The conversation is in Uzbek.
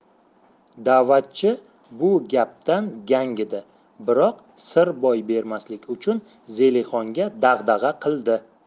da'vatchi bu gapdan gangidi biroq sir boy bermaslik uchun zelixonga dag'dag'a qildi